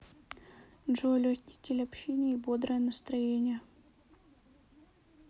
джой легкий стиль общения и бодрое настроение